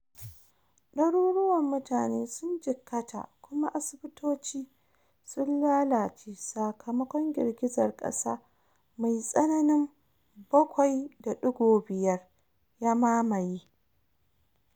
Daruruwan mutane sun jikkata kuma asibitoci, sun lalace sakamakon girgizar kasa mai tsananin 7.5, ya mamaye.